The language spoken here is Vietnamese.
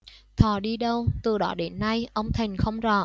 thọ đi đâu từ đó đến nay ông thành không rõ